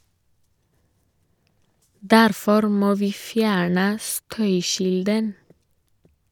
Derfor må vi fjerne støykilden.